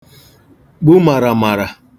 gbu màràmàrà